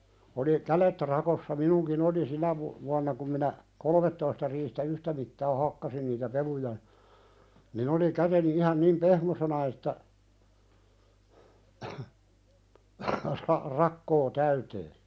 oli kädet rakossa minunkin oli sinä - vuonna kun minä kolmetoista riihtä yhtä mittaa hakkasin niitä peluja niin oli käteni ihan niin pehmoisena että - rakko täyteen